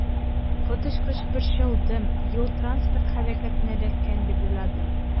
Коточкыч борчылдым, юл-транспорт һәлакәтенә эләккән дип уйладым.